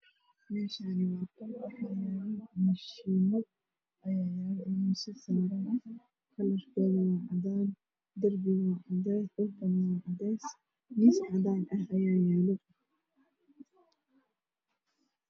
Meshaani waa qol waxaaa yaalo. mushin ayaa yaalo oo.misas ranah kalar koodu waa cadaan darbigu waa cadees dhulkun waa cadees mis cadaan ah ayaayalo